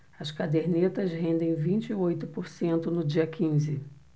as cadernetas rendem vinte e oito por cento no dia quinze